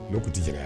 U'ou tɛi jara ye